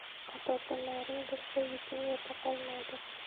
qatorda noring bo'lsa yuking yerda qolmaydi